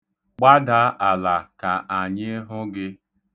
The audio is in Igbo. Gbada ala ka anyị hụ gị.